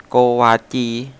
โกวาจี